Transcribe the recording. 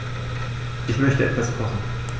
Ich möchte etwas kochen.